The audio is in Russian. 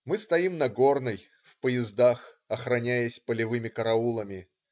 Мы стоим на Горной в поездах, охраняясь полевыми караулами.